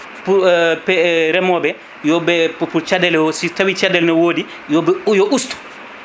pour reemoɓe yooɓe pour caɗele aussi so tawi caɗele ne wodi yoɓe yo usto